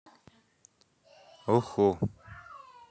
уху